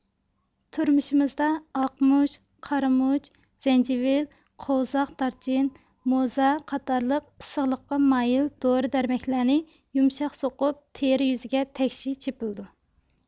تۇرمۇشىمىزدا ئاقمۇچ قارىمۇچ زەنجىۋىل قوۋزاق دارچىن موزا قاتارلىق ئىسسىقلىققا مايىل دورا دەرمەكلەرنى يۇمشاق سوقۇپ تېرە يۈزىگە تەكشى چېپىلىدۇ